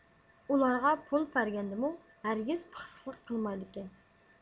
ئۇلارغا پۇل بەرگەندىمۇ ھەرگىز پىخسىقلىق قىلمايدىكەن